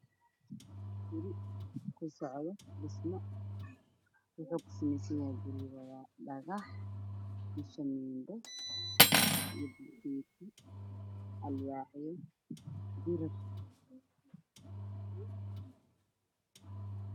Guri ku socda dhismo gurigii wuxuu ka sameysan yahay dhagax hortiisa oo haddaadsan jiingado iyo dhagaxaan iyo ilwaayo